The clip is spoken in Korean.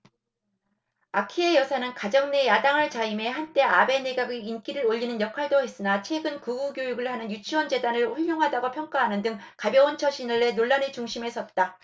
아키에 여사는 가정 내 야당을 자임해 한때 아베 내각의 인기를 올리는 역할도 했으나 최근 극우교육을 하는 유치원재단을 훌륭하다고 평가하는 등 가벼운 처신을 해 논란의 중심에 섰다